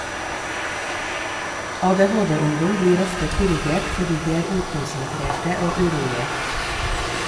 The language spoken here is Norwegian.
- ADHD-ungdom blir ofte korrigert fordi de er ukonsentrerte og urolige.